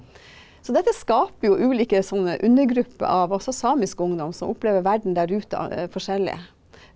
så dette skaper jo ulike sånne undergrupper av også samisk ungdom som opplever verden der ute forskjellig.